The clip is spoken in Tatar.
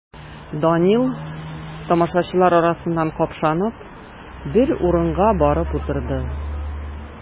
Данил, тамашачылар арасыннан капшанып, бер урынга барып утырды.